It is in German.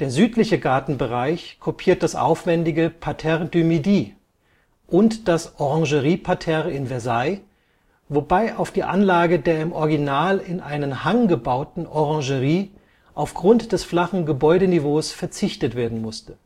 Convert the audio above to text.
südliche Gartenbereich kopiert das aufwändige Parterre du midi und das Orangerieparterre in Versailles, wobei auf die Anlage der im Original in einen Hang gebauten Orangerie aufgrund des flachen Geländeniveaus verzichtet werden musste